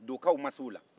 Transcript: dokaw ma se u la